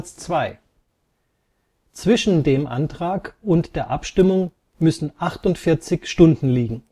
2) Zwischen dem Antrag und der Abstimmung müssen achtundvierzig Stunden liegen